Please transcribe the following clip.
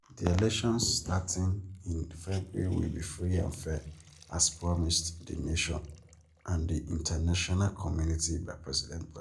The elections starting in February will be free and fair as promised the nation and the international community by President Buhari.